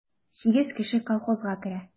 Сигез кеше колхозга керә.